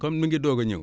comme mi ngi doog a ñëw